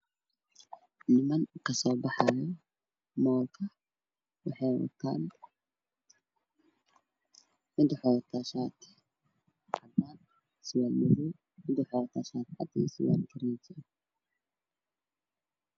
Waa mool waxaa ka soo baxaayo laba wiil waxay wataan shaati cadaan surwaal madow laba gabdhood ee ka danbeyso oo cabaahido madoobe